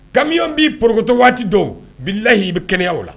Kamiyɔn b'i porotɔ waati dɔw' lahiyi i bɛ kɛnɛya la